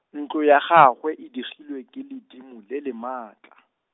ntlo ya gagwe e digilwe ke ledimo le le maatla.